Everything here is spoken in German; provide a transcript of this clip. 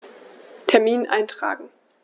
Termin eintragen